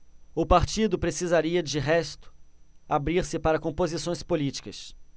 o partido precisaria de resto abrir-se para composições políticas